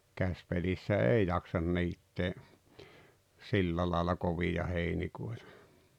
käsipelissä ei jaksa niittää sillä lailla kovaa heinikoita